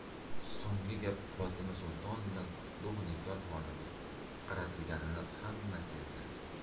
so'nggi gap fotima sulton bilan qutlug' nigor xonimga qaratilganini hamma sezdi